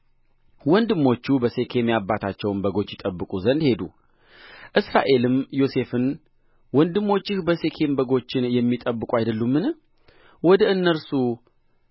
ወንድሞቹ በሴኬም የአባታቸውን በጎች ይጠብቁ ዘንድ ሄዱ እስራኤልም ዮሴፍን ወንድሞችህ በሴኬም በጎችን የሚጠብቁ አይደሉምን ወደ እነርሱ